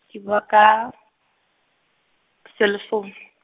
ke bua ka, selefoune.